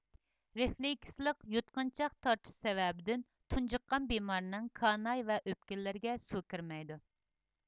رېفلېكسلىق يۇتقۇنچاق تارتىشىش سەۋەبىدىن تۇنجۇققان بىمارنىڭ كاناي ۋە ئۆپكىلىرىگە سۇ كىرمەيدۇ